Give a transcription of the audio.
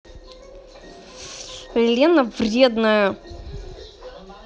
лена вредная